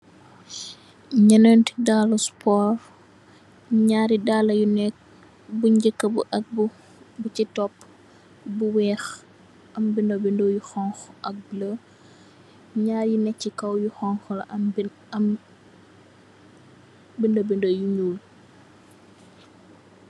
Neenti daal sport naari daala yu neka ngeka ak busi tumpo bo weex am benda benda yu xonxa ak bulo naari yu neka si kaw yu xonxa la am benda benda yu nuul.